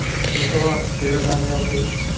iltimos derazani yoping